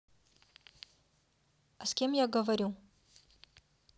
а с кем я говорю